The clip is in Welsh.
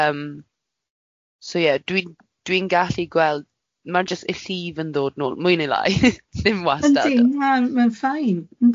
Yym so ie dwi'n dwi'n gallu gweld ma' jyst y llif yn dod nôl mwy neu lai ddim wastad. Yndi ma'n ma'n fine yndi?